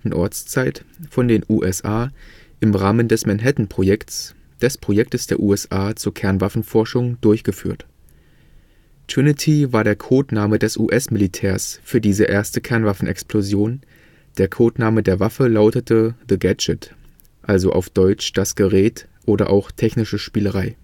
Ortszeit von den USA im Rahmen des Manhattan-Projekts, des Projektes der USA zur Kernwaffenforschung, durchgeführt. Trinity war der Codename des US-Militärs für diese erste Kernwaffenexplosion, der Codename der Waffe lautete The Gadget. (deutsch Das Gerät, auch technische Spielerei